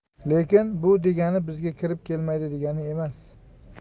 lekin bu degani bizga kirib kelmaydi degani emas